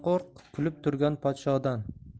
qo'rq kulib turgan podshodan